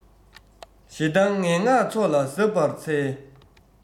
ཞེ སྡང ངན སྔགས ཚོགས ལ གཟབ པར འཚལ